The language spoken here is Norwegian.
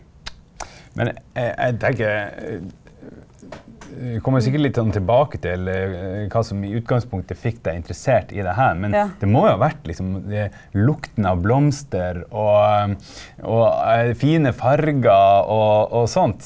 men jeg tenker kommer jo sikkert litt sånn tilbake til hva som i utgangspunktet fikk deg er interessert i det her, men det må jo ha vært liksom lukten av blomster og og fine farger og og sånt.